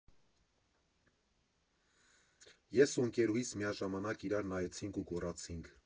Ես ու ընկերուհիս միաժամանակ իրար նայեցինք ու գոռացինք.